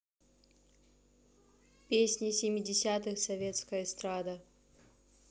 песни семидесятых советская эстрада